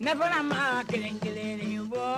Ne fana ma kelen kelenlen bɔ